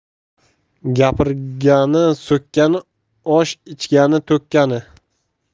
gapirgani so'kkani osh ichgani to'kkani